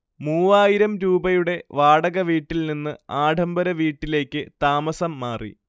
മൂവായിരം രൂപയുടെ വാടകവീട്ടിൽ നിന്ന് ആഢംബര വീട്ടിലേക്ക് താമസം മാറി